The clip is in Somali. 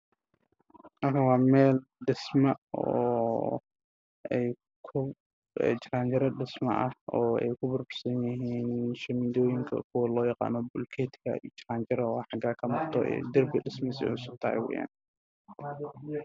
Waxaa ii muuqda jaranjaro guri looga soo degayo oo mustaqbal ah yaal waax oo dhulka yaalla ah